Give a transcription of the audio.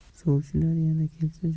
sovchilar yana kelsa